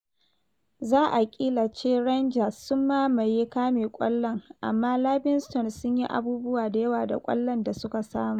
Za a ƙila ce Rangers sun mamaye kame ƙwallon amma Livingston sun yi abubuwa da yawa da ƙwallon da suka samu.